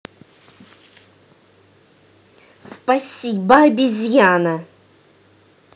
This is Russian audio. спасибо обезьяна